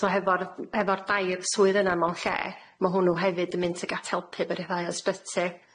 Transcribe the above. So hefo'r hefo'r dair swydd yna mewn lle ma' hwnnw hefyd yn mynd tuag at helpu 'fo rhyddhau o sbyty.